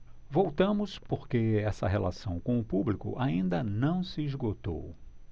voltamos porque essa relação com o público ainda não se esgotou